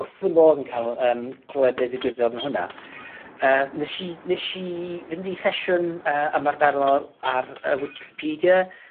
wrth fy modd yn ca'l yym clywed be' ddigwyddodd yn hwnna. Yy nes i, nes i fynd i sesiwn yy ymarferol ar y Wicipedia